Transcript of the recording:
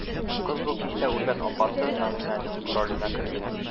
Кыз бу кичтә үлгән апасы Нәгыймәнең роленә керде